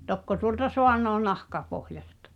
tokko tuolta saanee nahkapohjaista